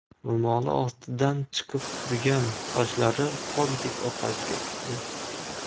ro'moli ostidan chiqib turgan sochlari qordek oqarib ketibdi